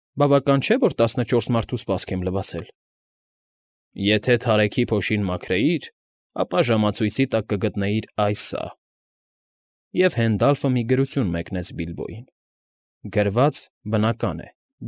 Բավական չէ՞, որ տասնչորս մարդու սպասք եմ լվացել։ ֊ Եթե թարեքի փոշին մաքրեիր, ապա ժամացույցի տակ կգտնեիր այ սա,֊ և Հենդալֆը մի գրություն մեկնեց Բիլբոյին (գրված, բնական է,